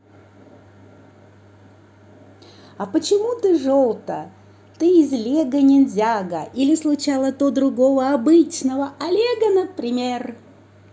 а почему ты желто ты что из лего ниндзяго или случало то другого обычного олега например